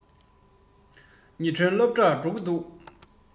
ཉི སྒྲོན སློབ གྲྭར འགྲོ གི འདུག